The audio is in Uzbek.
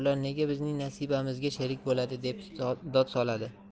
nega bizning nasibamizga sherik bo'ladi deb dod soladi